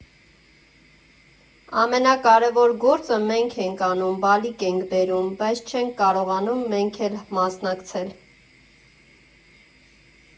«Ամենակարևոր գործը մենք ենք անում, բալիկ ենք բերում, բայց չենք կարողանում մենք էլ մասնակցել»։